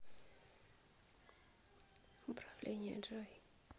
управление джой